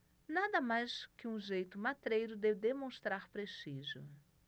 nada mais que um jeito matreiro de demonstrar prestígio